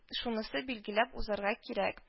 Шунысы билгеләп узарга кирәк: